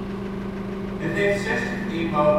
Het heeft 60 inwoners (2008). De